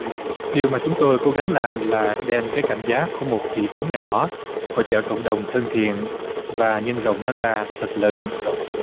điều mà chúng tôi cố gắng làm là đem cái cảm giác của một thị trấn nhỏ hỗ trợ cộng đồng thân thiện và nhân rộng nó ra thật lớn